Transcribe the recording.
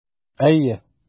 Әйе.